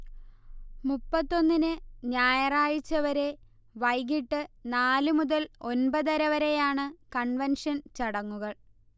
മുപ്പത്തൊന്നിന് ഞായറാഴ്ച വരെ വൈകീട്ട് നാല് മുതൽ ഒൻപതര വരെയാണ് കൺവെൻഷൻ ചടങ്ങുകൾ